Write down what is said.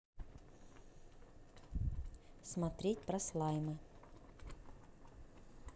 смотреть про слаймы